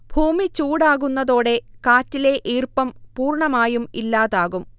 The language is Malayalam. ഭൂമി ചുടാകുന്നതോടെ കാറ്റിലെ ഈർപ്പം പൂർണമായും ഇല്ലാതാകും